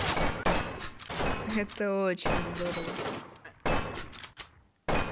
это очень здорово